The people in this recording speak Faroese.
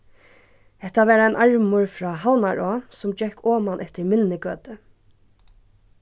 hetta var ein armur frá havnará sum gekk oman eftir mylnugøtu